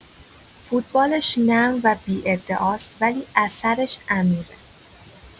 فوتبالش نرم و بی‌ادعاست، ولی اثرش عمیقه.